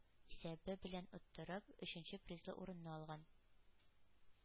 Исәбе белән оттырып, өченче призлы урынны алган.